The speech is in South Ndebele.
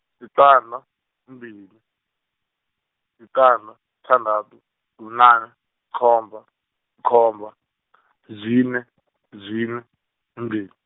liqanda, mbili, liqanda, sithandathu, kunane, khomba, khomba , zine, zine, mbili.